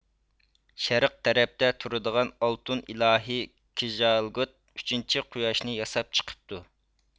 شەرق تەرەپتە تۇرىدىغان ئالتۇن ئىلاھى كىژالگوت ئۈچىنچى قۇياشنى ياساپ چىقىپتۇ